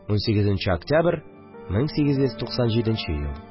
18 нче октябрь, 1897 ел